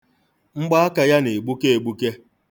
Mgbaaka ya na-egbuke egbuke.